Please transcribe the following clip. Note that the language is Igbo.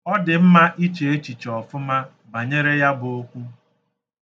Ọ dị mma iche echiche ọfụma banyere ya bụ okwu.